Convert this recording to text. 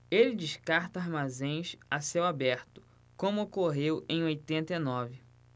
ele descarta armazéns a céu aberto como ocorreu em oitenta e nove